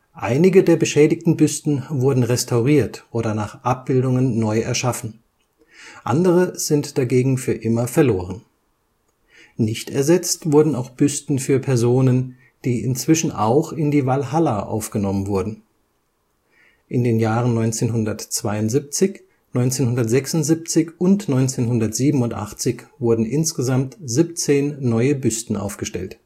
Einige der beschädigten Büsten wurden restauriert oder nach Abbildungen neu erschaffen, andere sind dagegen für immer verloren. Nicht ersetzt wurden auch Büsten für Personen, die inzwischen auch in die Walhalla aufgenommen wurden. In den Jahren 1972, 1976 und 1987 wurden insgesamt 17 neue Büsten aufgestellt